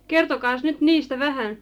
kertokaas nyt niistä vähän